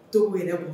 T wɛrɛ bɔ